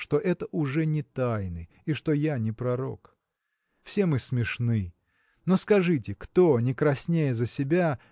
что это уже не тайны и что я не пророк. Все мы смешны но скажите кто не краснея за себя